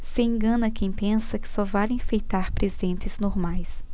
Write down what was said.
se engana quem pensa que só vale enfeitar presentes normais